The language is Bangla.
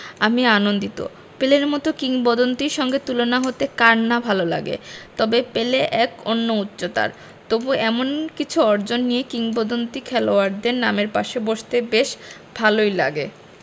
আমি আনন্দিত পেলের মতো কিংবদন্তির সঙ্গে তুলনা হতে কার না ভালো লাগে তবে পেলে অন্য এক উচ্চতার তবু এমন কিছু অর্জন দিয়ে কিংবদন্তি খেলোয়াড়দের নামের পাশে বসতে তো ভালোই লাগে